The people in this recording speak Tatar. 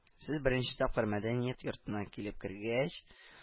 —сез беренче тапкыр мәдәният йортына килеп кергәч